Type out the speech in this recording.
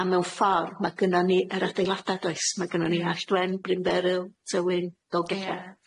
A mewn ffor ma' gynnon ni yr adeilada does ma' gynnon ni Allt Wen, Bryn Berel, Tywyn, Dolgella.